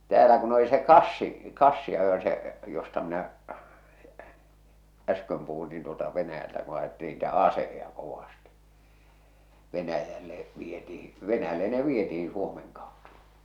täällä kun oli se kassi kassiajo se josta minä äsken puhuin niin tuota Venäjältä kun ajettiin niitä aseita kovasti Venäjälle vietiin Venäjälle ne vietiin Suomen kautta